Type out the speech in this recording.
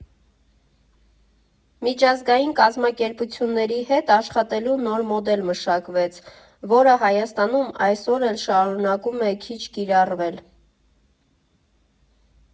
Միջազգային կազմակերպությունների հետ աշխատելու նոր մոդել մշակվեց, որը Հայաստանում այսօր էլ շարունակում է քիչ կիրառվել.